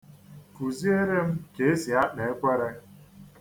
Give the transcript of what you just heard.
Kụziere m ka e si akpa ekwere.